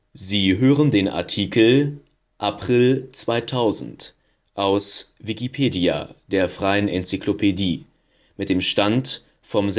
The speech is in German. Sie hören den Artikel April 2000, aus Wikipedia, der freien Enzyklopädie. Mit dem Stand vom